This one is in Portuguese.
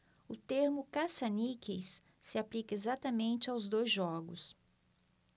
o termo caça-níqueis se aplica exatamente aos dois jogos